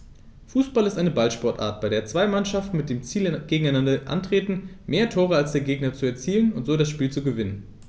Fußball ist eine Ballsportart, bei der zwei Mannschaften mit dem Ziel gegeneinander antreten, mehr Tore als der Gegner zu erzielen und so das Spiel zu gewinnen.